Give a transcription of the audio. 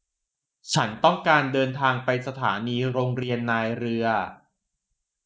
ฉันต้องการเดินทางไปสถานีโรงเรียนนายเรือ